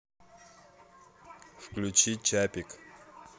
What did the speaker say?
включи чапик